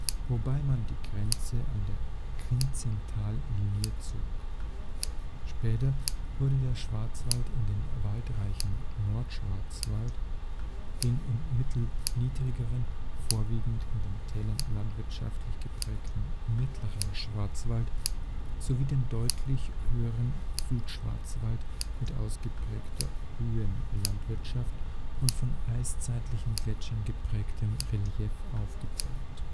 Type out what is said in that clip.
wobei man die Grenze an der Kinzigtallinie zog. Später wurde der Schwarzwald in den waldreichen Nordschwarzwald, den im Mittel niedrigeren, vorwiegend in den Tälern landwirtschaftlich geprägten Mittleren Schwarzwald sowie den deutlich höheren Südschwarzwald mit ausgeprägter Höhenlandwirtschaft und von eiszeitlichen Gletschern geprägtem Relief aufgeteilt